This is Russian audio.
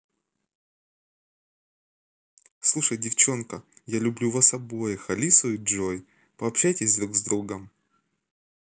слушай девчонка я люблю вас обеих алису и джой пообщайтесь друг с другом